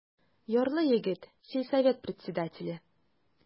Ярлы егет, сельсовет председателе.